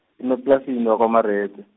emaplasini waka- Marete.